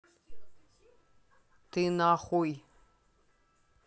ты нахуй